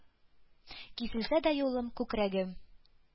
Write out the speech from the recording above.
Киселсә дә юлым; күкрәгем